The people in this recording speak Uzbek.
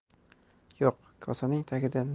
yo'q kosaning tagida